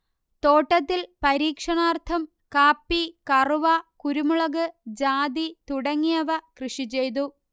തോട്ടത്തിൽ പരീക്ഷണാർത്ഥം കാപ്പി കറുവ കുരുമുളക് ജാതി തുടങ്ങിയവ കൃഷി ചെയ്തു